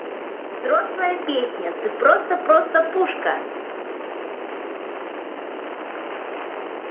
взрослая песня ты просто просто пушка